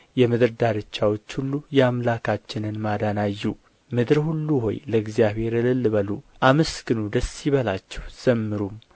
የምድር ዳርቻዎች ሁሉ የአምላካችንን ማዳን አዩ ምድር ሁሉ ሆይ ለእግዚአብሔር እልል በሉ አመስግኑ ደስ ይበላችሁ ዘምሩም